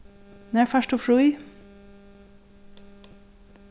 nær fært tú frí